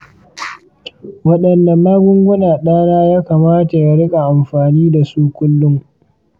wadanne magunguna ɗana ya kamata ya rika amfani da su kullum?